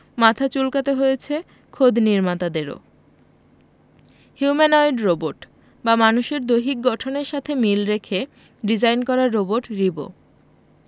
মাথা চুলকাতে হয়েছে খোদ নির্মাতাদেরও হিউম্যানোয়েড রোবট বা মানুষের দৈহিক গঠনের সঙ্গে মিল রেখে ডিজাইন করা রোবট রিবো